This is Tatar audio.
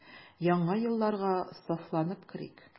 Яңа елларга сафланып керик.